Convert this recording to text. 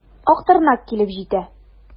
Актырнак килеп җитә.